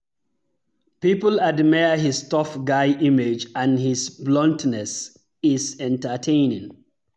People admire his tough guy image and his bluntness is entertaining.